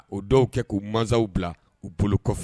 O dɔw kɛ k'u masaw bila u bolo kɔfɛ